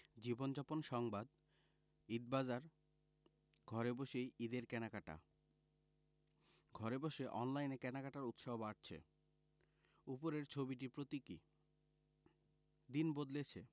জীবনযাপন সংবাদ ঈদবাজার ঘরে বসেই ঈদের কেনাকাটা ঘরে বসে অনলাইনে কেনাকাটায় উৎসাহ বাড়ছে উপরের ছবিটি প্রতীকী দিন বদলেছে